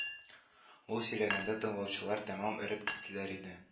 Ул сөйләгәндә тыңлаучылар тәмам эреп китәләр иде